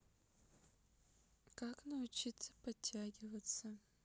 как научиться подтягиваться